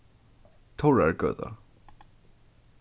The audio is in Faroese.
tórðargøta